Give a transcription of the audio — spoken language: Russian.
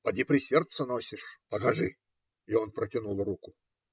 - Поди, при сердце носишь. Покажи! И он протянул руку.